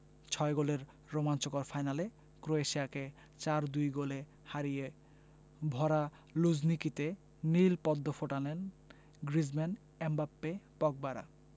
ছয় গোলের রোমাঞ্চকর ফাইনালে ক্রোয়েশিয়াকে ৪ ২ গোলে হারিয়ে ভরা লুঝনিকিতে নীল পদ্ম ফোটালেন গ্রিজমান এমবাপ্পে পগবারা